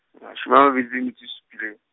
mashome a mabedi le metso e supileng.